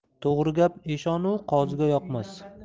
to'g'ri gap eshon u qoziga yoqmas